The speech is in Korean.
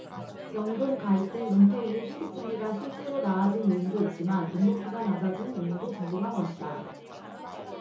연금 가입 등 은퇴 이후 소득 준비가 실제로 나아진 요인도 있지만 눈높이가 낮아진 요인도 작용한 것이다